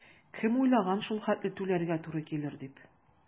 Кем уйлаган шул хәтле түләргә туры килер дип?